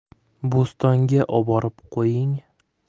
bo'stonga oborib qo'ying